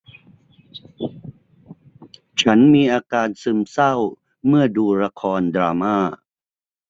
ฉันมีอาการซึมเศร้าเมื่อดูละครดราม่า